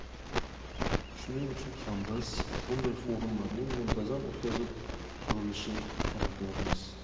shuning uchun ham biz bunday forumlarning muntazam o'tkazib turilishi tarafdorimiz